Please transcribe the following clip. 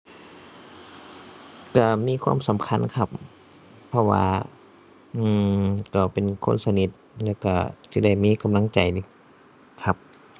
ก็มีความสำคัญครับ เพราะว่า อือ ก็เป็นคนสนิทแล้วก็สิได้มีกำลังใจ ครับ